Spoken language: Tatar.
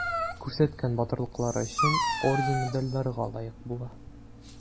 Күрсәткән батырлыклары өчен орден-медальләргә лаек була.